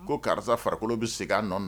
Ko karisa farikolokolo bɛ segin a nɔ